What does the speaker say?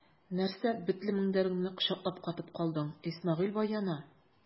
Нәрсә бетле мендәреңне кочаклап катып калдың, Исмәгыйль бай яна!